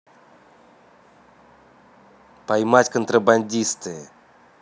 поймать кантрабандисты